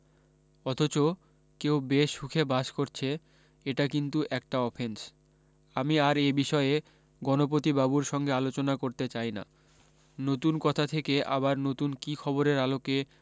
অথচ কেউ বেশ সুখে বাস করছে এটা কিন্তু একটা অফেন্স আমি আর এ বিষয়ে গণপতিবাবুর সঙ্গে আলোচনা করতে চাই না নতুন কথা থেকে আবার নতুন কী খবরের আলোকে